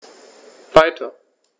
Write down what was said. Weiter.